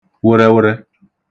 wə̣rẹwerẹ